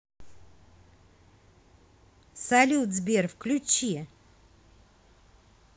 салют сбер включи